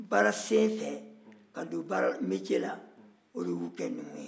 baara senfɛ ka don baara la o dey'u kɛ numuw ye